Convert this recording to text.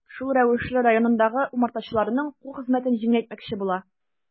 Шул рәвешле районындагы умартачыларның кул хезмәтен җиңеләйтмәкче була.